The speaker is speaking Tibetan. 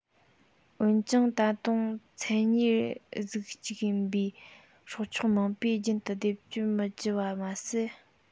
འོན ཀྱང ད དུང མཚན གཉིས གཟུགས གཅིག ཡིན པའི སྲོག ཆགས མང པོས རྒྱུན དུ སྡེབ སྦྱོར མི བགྱི བ མ ཟད